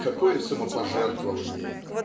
" Какое самопожертвование!.